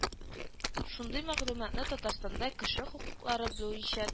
Шундый мәгълүматны Татарстанда кеше хокуклары буенча